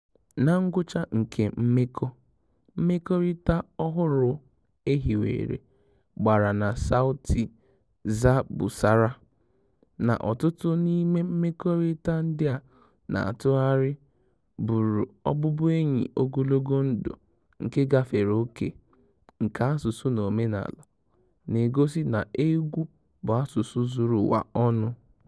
Na ngwụcha nke "mmekọ", mmekorita ọhụrụ e hiwere gbara na Sauti za Busara, na ọtụtụ n'ime mmekorita ndị a na-atụgharị bụrụ ọbụbụenyi ogologo ndụ nke gafere ókè nke asụsụ na omenaala, na-egosi na egwu bụ asụsụ zuru ụwa ọnụ.